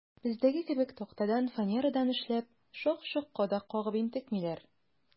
Бездәге кебек тактадан, фанерадан эшләп, шак-шок кадак кагып интекмиләр.